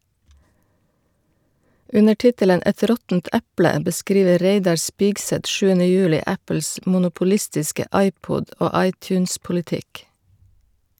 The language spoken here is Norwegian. Under tittelen "Et råttent eple" beskriver Reidar Spigseth 7. juli Apples monopolistiske iPod- og iTunes-politikk.